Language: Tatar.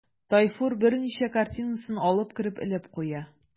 Тайфур берничә картинасын алып кереп элеп куя.